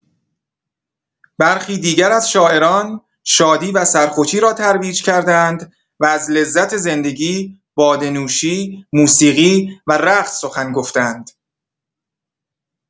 برخی دیگر از شاعران، شادی و سرخوشی را ترویج کرده‌اند و از لذت زندگی، باده‌نوشی، موسیقی و رقص سخن گفته‌اند.